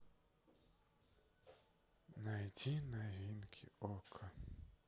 найди новинки окко